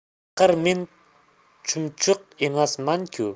axir men chumchuq emasmanku